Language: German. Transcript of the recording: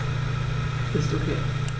Ist OK.